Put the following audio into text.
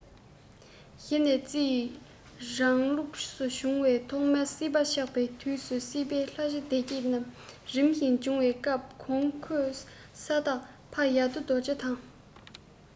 ཞེས ནག རྩིས རང ལུགས སུ བྱུང བའི ཐོག མར སྲིད པ ཆགས པའི དུས སུ སྲིད པའི ལྷ ཆེན སྡེ བརྒྱད རིམ བཞིན བྱུང བའི སྐབས གོང འཁོད ས བདག ཕ ཡ བདུད རྡོ རྗེ དང